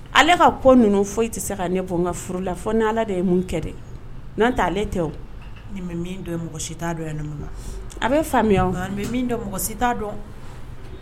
Ale ka kɔ ninnu foyi i tɛ se ka ne bɔn n ka furu la fo n ni ala de ye mun kɛ dɛ n'an ta ale tɛ o mɔgɔ si t dɔn a bɛ faamuya kan mɔgɔ si t dɔn